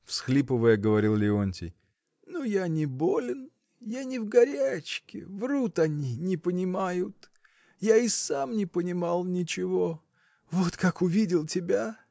— всхлипывая, говорил Леонтий, — но я не болен. я не в горячке. врут они. не понимают. Я и сам не понимал ничего. Вот как увидел тебя.